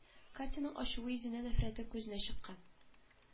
Катяның ачуы йөзенә нәфрәте күзенә чыккан